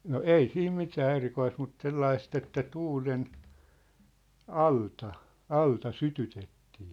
no ei siinä mitään erikoista mutta sellaista että tuulen alta alta sytytettiin